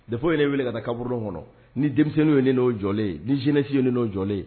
Dépuis u ye ne wele ka taa kaburudon kɔnɔ ni denmisɛnninw ye ne n'o jɔlen ye ni jeunesse ye ne n'o jɔlen ye